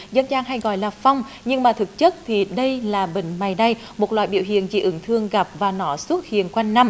dân gian hay gọi là phong nhưng mà thực chất thì đây là bệnh mày đay một loại biểu hiện dị ứng thường gặp và nó xuất hiện quanh năm